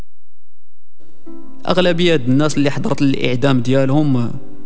اغلبيه الناس اللي يحط للاعدام ديالهم